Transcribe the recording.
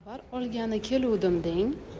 xabar olgani keluvdim deng